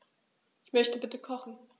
Ich möchte bitte kochen.